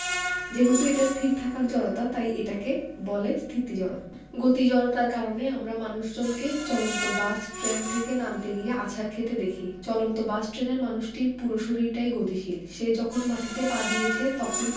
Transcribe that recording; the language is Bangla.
যেহেতু এটা স্থির থাকার জড়তা তাই এটাকে বলে স্থিতি জড়তা গতি জড়তার কারণে আমরা মানুষজনকে চলন্ত বাস ট্রেন থেকে নামতে গিয়ে আছাড় খেতে দেখি চলন্ত বাস ট্রেনের মানুষটির পুরো শরীরটাই গতিশীল সে যখন মাটিতে পা দিয়েছে তখন